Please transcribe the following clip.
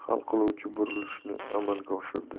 hal qiluvchi burilishni amalga oshirdi